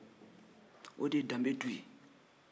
o de ye danbe du ye